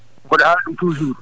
mboɗo haala ɗum toujours